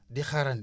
di xaaraale